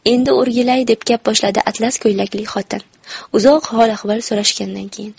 endi o'rgilay deb gap boshladi atlas ko'ylakli xotin uzoq hol ahvol so'rashganidan keyin